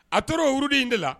A tor'o wurudi in de la